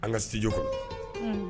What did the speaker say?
An ka studio kɔnɔ.